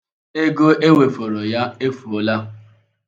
Ego e wefọọrọ ya efuola.